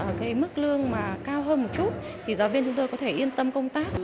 ở cái mức lương mà cao hơn một chút thì giáo viên chúng tôi có thể yên tâm công tác